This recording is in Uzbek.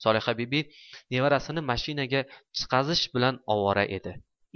solihabibi nevarasini mashinaga chiqarish bilan ovora edi